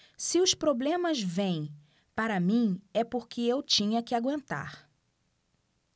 se os problemas vêm para mim é porque eu tinha que aguentar